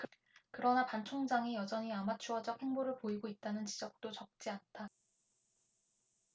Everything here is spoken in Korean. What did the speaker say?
그러나 반 총장이 여전히 아마추어적 행보를 보이고 있다는 지적도 적지 않다